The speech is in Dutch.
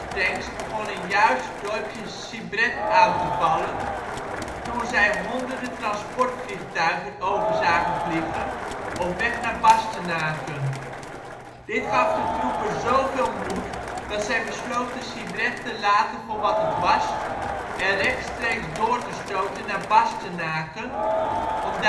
tanks begonnen juist het dorpje Sibret aan te vallen toen zij honderden transportvliegtuigen over zagen vliegen op weg naar Bastenaken. Dit gaf de troepen zoveel moed, dat zij besloten Sibret te laten voor wat het was en rechtstreeks door te stoten naar Bastenaken om